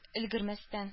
Өлгермәстән